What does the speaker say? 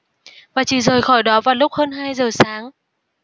và chỉ rời khỏi đó vào lúc hơn hai giờ sáng